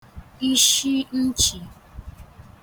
ịshiǹchị̀